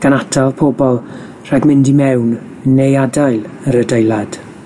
gan atal pobol rhag mynd i mewn neu adael yr adeilad.